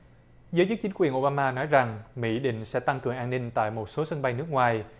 giới chức chính quyền ô bam ma nói rằng mỹ định sẽ tăng cường an ninh tại một số sân bay nước ngoài